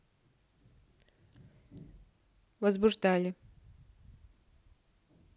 возбуждали